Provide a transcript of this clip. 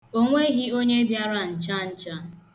O nweghị onye bịara ncha ncha.